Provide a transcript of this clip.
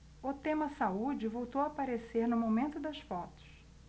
o tema saúde voltou a aparecer no momento das fotos